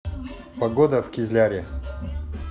погода в кизляре